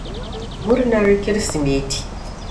Murnar Kirsimeti!